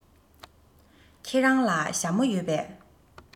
ཁྱེད རང ལ ཞྭ མོ ཡོད པས